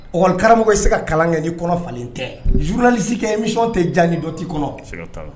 Okara bɛ tɛ se ka kalan kɛ ni kɔnɔ falen tɛ zurulalisi kɛ mi tɛ ja ni dɔti kɔnɔ